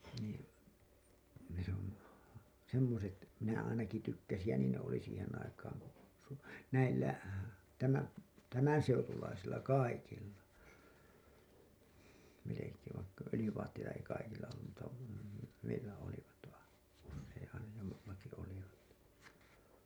niin se on semmoiset minä ainakin tykkäsin ja niin ne oli siihen aikaan kun - näillä - tämänseutulaisilla kaikilla melkein vaikka öljyvaatteita ei kaikilla ollut mutta meillä olivat vain jos ei aina - jollakin olivat